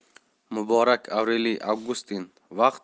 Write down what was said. muborak avreliy avgustin vaqt